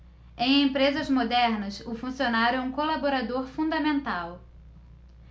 em empresas modernas o funcionário é um colaborador fundamental